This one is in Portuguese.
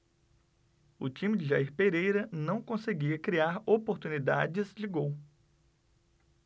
o time de jair pereira não conseguia criar oportunidades de gol